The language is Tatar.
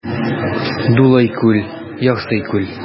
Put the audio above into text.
Дулый күл, ярсый күл.